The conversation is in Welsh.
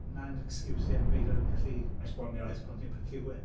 'Na'n excuse i am beido gallu… esbonio. ...esbonio beth yw e .